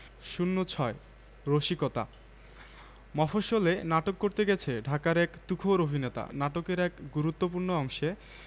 ০৬ রসিকতা মফশ্বলে নাটক করতে গেছে ঢাকার এক তুখোর অভিনেতা নাটকের এক গুরুত্তপূ্র্ণ অংশে